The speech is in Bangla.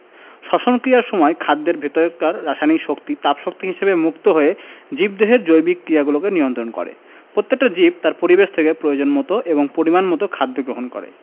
শ্বসন ক্রিয়ার সময় খাদ্যের ভেতরকার রাসায়নিক শক্তি তাপ শক্তি হিসেবে মুক্ত হয়ে জীবদেহের জৈবিক ক্রিয়াগুলোকে নিয়ন্ত্রন করে প্রত্যেকটা জীব তার পরিবেশ থেকে প্রয়োজনমতো এবং পরিমাণমতো খাদ্য গ্রহণ করে